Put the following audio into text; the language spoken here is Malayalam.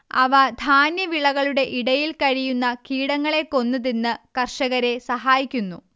അവ ധാന്യവിളകളുടെ ഇടയിൽ കഴിയുന്ന കീടങ്ങളെ കൊന്ന് തിന്ന് കർഷകരെ സഹായിക്കുന്നു